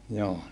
joo